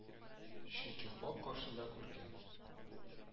Чөнки Хак каршында күркәм